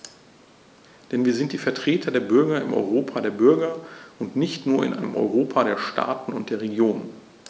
Denn wir sind die Vertreter der Bürger im Europa der Bürger und nicht nur in einem Europa der Staaten und der Regionen.